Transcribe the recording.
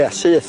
Ie syth.